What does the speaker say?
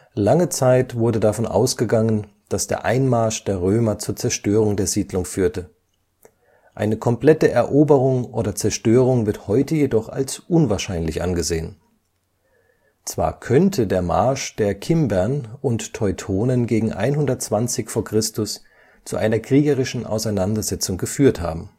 Lange Zeit wurde davon ausgegangen, dass der Einmarsch der Römer zur Zerstörung der Siedlung führte. Eine komplette Eroberung oder Zerstörung wird heute jedoch als unwahrscheinlich angesehen. Zwar könnte der Marsch der Kimbern und Teutonen gegen 120 v. Chr. zu einer kriegerischen Auseinandersetzung geführt haben